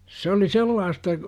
se oli sellaista